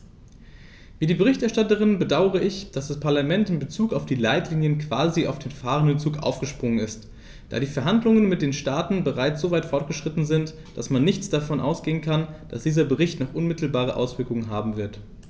Wie die Berichterstatterin bedaure ich, dass das Parlament in bezug auf die Leitlinien quasi auf den fahrenden Zug aufgesprungen ist, da die Verhandlungen mit den Staaten bereits so weit fortgeschritten sind, dass man nicht davon ausgehen kann, dass dieser Bericht noch unmittelbare Auswirkungen haben wird.